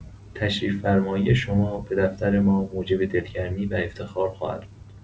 تشریف‌فرمایی شما به دفتر ما موجب دلگرمی و افتخار خواهد بود.